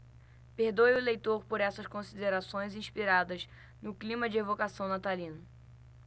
perdoe o leitor por essas considerações inspiradas no clima de evocação natalino